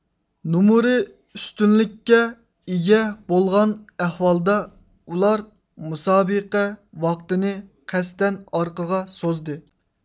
نومۇرى ئۈستۈنلۈككە ئىگە بولغان ئەھۋالدا ئۇلار مۇسابىقە ۋاقتىنى قەستەن ئارقىغا سوزدى